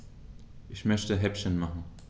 Ich möchte Häppchen machen.